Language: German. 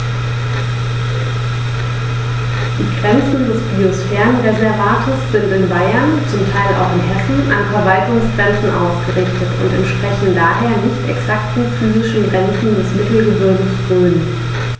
Die Grenzen des Biosphärenreservates sind in Bayern, zum Teil auch in Hessen, an Verwaltungsgrenzen ausgerichtet und entsprechen daher nicht exakten physischen Grenzen des Mittelgebirges Rhön.